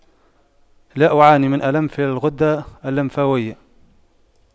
لا أعاني من ألم في الغدة اللمفاوية